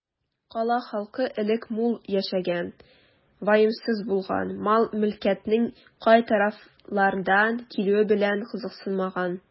Кала халкы элек мул яшәгән, ваемсыз булган, мал-мөлкәтнең кай тарафлардан килүе белән кызыксынмаган.